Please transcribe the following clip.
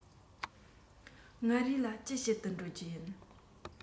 མངའ རིས ལ ཅི བྱེད དུ འགྲོ རྒྱུ ཡིན